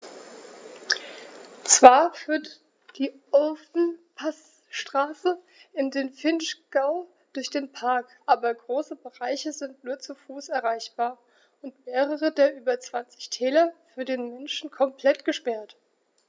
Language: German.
Zwar führt die Ofenpassstraße in den Vinschgau durch den Park, aber große Bereiche sind nur zu Fuß erreichbar und mehrere der über 20 Täler für den Menschen komplett gesperrt.